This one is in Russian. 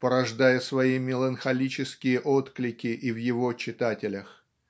порождая свои меланхолические отклики и в его читателях.